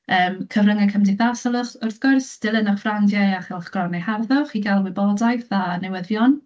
Yym, cyfryngau cymdeithasol wrth gwrs, dilyn eich frandiau a chylchgronau harddwch i gael wybodaeth a newyddion.